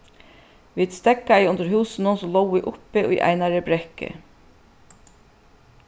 vit steðgaðu undir húsunum sum lógu uppi í einari brekku